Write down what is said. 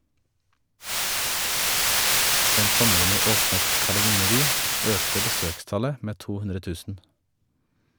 Den sommeren vi åpnet "Kardemomme by" økte besøkstallet med 200 000.